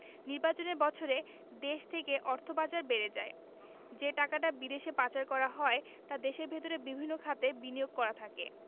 নির্বাচনের বছরে দেশ থেকে অর্থ পাচার বেড়ে যায় যে টাকাটা বিদেশে পাচার করা হয় তা দেশের ভেতরে বিভিন্ন খাতে বিনিয়োগ করা থাকে